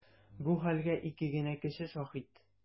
Бу хәлгә ике генә кеше шаһит.